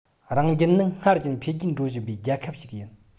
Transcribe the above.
རང རྒྱལ ནི སྔར བཞིན འཕེལ རྒྱས འགྲོ བཞིན པའི རྒྱལ ཁབ ཞིག ཡིན